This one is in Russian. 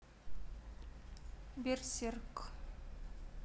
берсерк